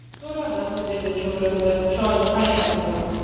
so'radim dedi chuvrindi choyni qaytara turib